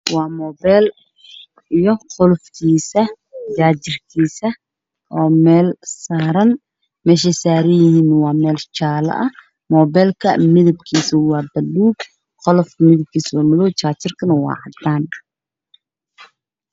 Waa moobeel iyo qolofkiisa jaajar kiisa oo meel saaran meeshay saaran yihiina waa meel jaalla ah moobeelka midabkiisa waa baluug qolofka midabkiisa waa madow jaajarka midabkiisa waa cadaan.